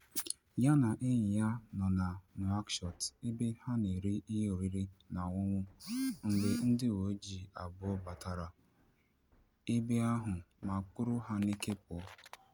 Ya na enyi ya nọ na Nouakchott ebe a na-ere ihe oriri na ọṅụṅụ mgbe ndị uweojii abụọ batara ebe ahụ ma kpụrụ ha n'ike pụọ.